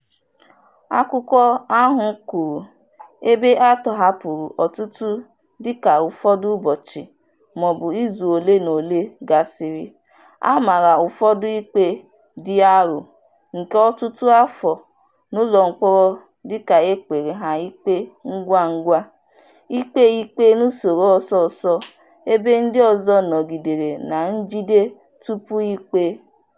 Akụkọ ahụ kwuru, "Ebe a tọhapụrụ ọtụtụ dịka ụfọdụ ụbọchị maọbụ izu ole na ole gasịrị, a mara ụfọdụ ikpe dị arọ nke ọtụtụ afọ n'ụlọmkpọrọ dịka e kpere ha ikpe ngwa ngwa ikpe ikpe n'usoro ọsọọsọ, ebe ndị ọzọ nọgidere na njide tupu ikpe".